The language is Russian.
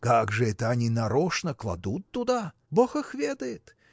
– Как же это они, нарочно кладут туда? – Бог их ведает!